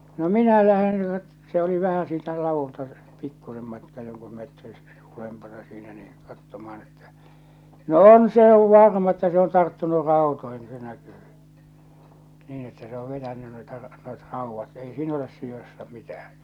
no minä lähden nyt se oli vähän siitä ladulta pikkuisen matkaa jonkun metrin ylempänä siinä niin katsomaan että no on se on varma että se on tarttunut rautoihin ja se näkyy niin että se on vetänyt noita noita raudat ei siinä ole siinä asiassa mitään